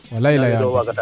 walay leya ndigil